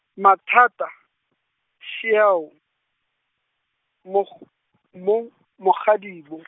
mathata, šeao, mogo-, mo, mogadibo.